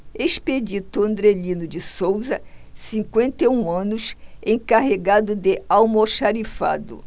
expedito andrelino de souza cinquenta e um anos encarregado de almoxarifado